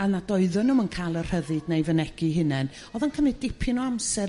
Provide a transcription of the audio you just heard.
a nad oedden nhw'm yn ca'l y rhyddid 'ne i fynegi'u hunen o'dd o'n cym'yd dipyn o amser